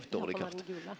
Japan er den gule.